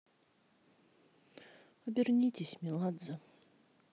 обернитесь меладзе